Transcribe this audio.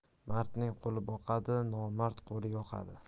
mardning qo'li boqadi nomard qo'li yoqada